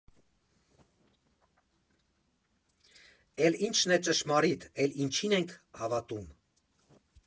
Էլ ի՞նչն է ճշմարիտ, էլ ինչի՞ն եք հավատում։